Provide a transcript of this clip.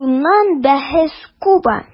Шуннан бәхәс куба.